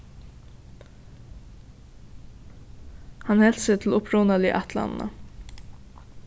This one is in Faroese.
hann helt seg til upprunaligu ætlanina